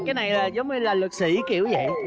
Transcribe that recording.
cái này là giống như là lực sĩ kiểu vậy